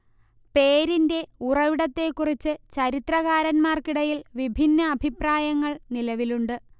പേരിന്റെ ഉറവിടത്തെക്കുറിച്ച് ചരിത്രകാരന്മാർക്കിടയിൽ വിഭിന്ന അഭിപ്രായങ്ങൾ നിലവിലുണ്ട്